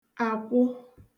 àkwụ